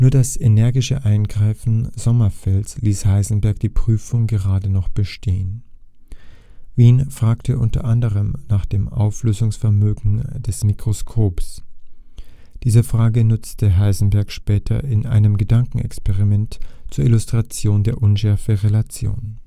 das energische Eingreifen Sommerfelds ließ Heisenberg die Prüfung gerade noch bestehen. Wien fragte unter anderem nach dem Auflösungsvermögen des Mikroskops. Diese Frage nutzte Heisenberg später in einem Gedankenexperiment zur Illustration der Unschärferelation